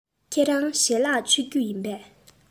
ཁྱེད རང ཞལ ལག མཆོད རྒྱུ བཟའ རྒྱུ ཡིན པས